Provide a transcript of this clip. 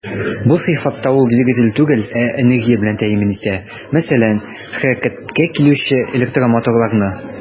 Бу сыйфатта ул двигатель түгел, ә энергия белән тәэмин итә, мәсәлән, хәрәкәткә китерүче электромоторларны.